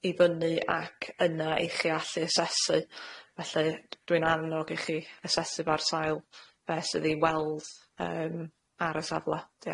i fyny ac yna i chi allu asesu. Felly d- dwi'n annog i chi asesu fo ar sail be' sydd i weld yym ar y safle. Diolch.